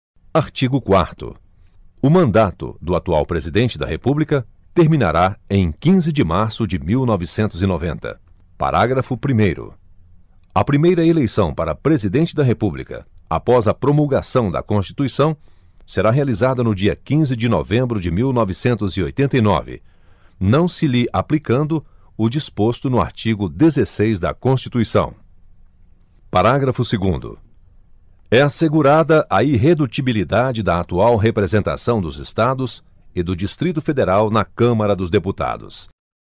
artigo quarto o mandato do atual presidente da república terminará em quinze de março de mil novecentos e noventa parágrafo primeiro a primeira eleição para presidente da república após a promulgação da constituição será realizada no dia quinze de novembro de mil novecentos e oitenta e nove não se lhe aplicando o disposto no artigo dezesseis da constituição parágrafo segundo é assegurada a irredutibilidade da atual representação dos estados e do distrito federal na câmara dos deputados